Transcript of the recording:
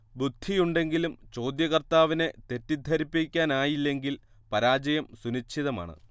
ബുദ്ധിയുണ്ടെങ്കിലും ചോദ്യകർത്താവിനെ തെറ്റിദ്ധരിപ്പിക്കാനായില്ലെങ്കിൽ പരാജയം സുനിശ്ചിതമാണ്